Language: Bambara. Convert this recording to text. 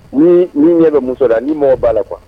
Ni n'i ɲɛ bɛ muso la n'i mago b'a la quoi